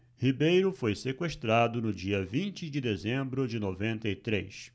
ribeiro foi sequestrado no dia vinte de dezembro de noventa e três